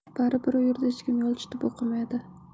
bari bir u yerda hech kim yolchitib o'qimaydi